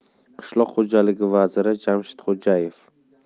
qishloq xo'jaligi vaziri jamshid xo'jayev